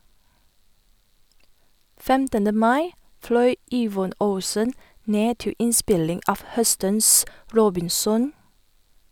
15. mai fløy Yvonne Olsen ned til innspilling av høstens "Robinson".